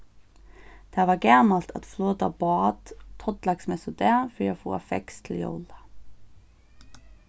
tað var gamalt at flota bát tollaksmessudag fyri at fáa feskt til jóla